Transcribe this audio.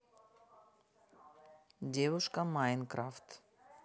девушка майнкрафт